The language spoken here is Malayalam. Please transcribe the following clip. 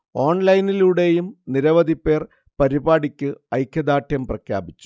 ഓൺലൈനിലൂടെയും നിരവധി പേർ പരിപാടിക്ക് ഐക്യദാർഢ്യം പ്രഖ്യാപിച്ചു